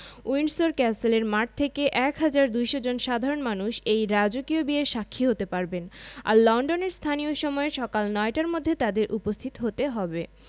Windsor ক্যাসেলের মাঠ থেকে ১হাজার ২০০ জন সাধারণ মানুষ এই রাজকীয় বিয়ের সাক্ষী হতে পারবেন আর লন্ডনের স্থানীয় সময় সকাল নয়টার মধ্যে তাঁদের উপস্থিত হতে হবে